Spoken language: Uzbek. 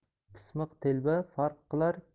pismiq telba farq qilar